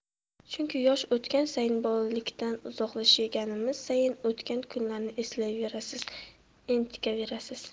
chunki yosh o'tgan sayin bolalikdan uzoqlashganingiz sayin o'tgan kunlarni eslayverasiz entikaverasiz